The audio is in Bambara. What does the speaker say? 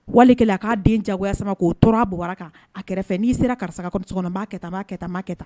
Wali kelen a k'a den diyagoya sama k'o tɔrɔ a bobara kan a kɛrɛfɛ n'i sera karisa ka so kɔnɔ an b'a kɛ tan, an b'a kɛ tan